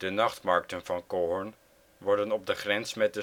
nachtmarkten van Kolhorn worden op de grens met